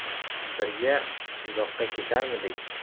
birga uzoqqa ketarmidik